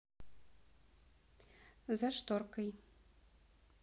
за шторкой